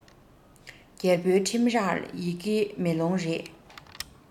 རྒྱལ པོའི ཁྲིམས རར ཡི གེ མེ ལོང རེད